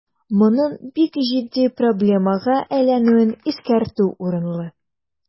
Моның бик җитди проблемага әйләнүен искәртү урынлы.